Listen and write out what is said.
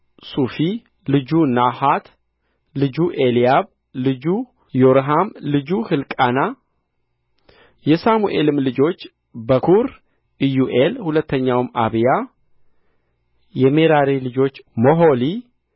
ሱፊ ልጁ ናሐት ልጁ ኤልያብ ልጁ ይሮሐም ልጁ ሕልቃና የሳሙኤልም ልጆች በኵሩ ኢዮኤል ሁለተኛውም አብያ የሜራሪ ልጆች ሞሖሊ